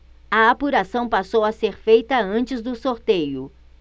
a apuração passou a ser feita antes do sorteio